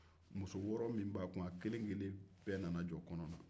muso wɔɔrɔ min b'a kun a kelen kelen bɛɛ nana jɔ kɔnɔ na